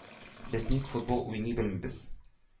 Без ник футбол уйный белмибез?